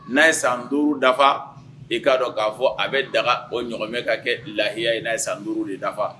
N'a ye san 5 dafa e k'a dɔn k'a fɔ a bɛ daga o ɲɔgɔmɛ ka kɛ lahiya ye n'a ye san 5de dafa